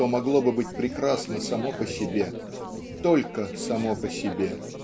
что могло бы быть прекрасно само по себе только само по себе.